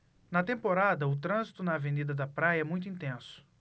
na temporada o trânsito na avenida da praia é muito intenso